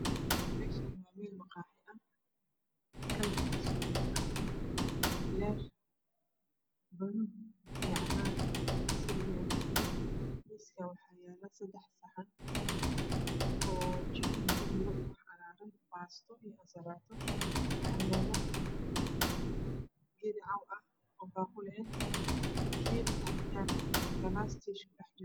Meeshani waa meel makhaaqi ah kaladhkiisu yahay qaxwi bulug iyo cagaar miiskan waxaa yaala sadex saxan oo. Jikin kujiro baasto iyo jallato ayaa yaalo